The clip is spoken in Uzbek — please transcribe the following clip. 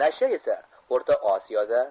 nasha esa orta osiyoda